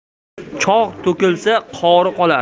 cho'g' to'kilsa qo'ri qolar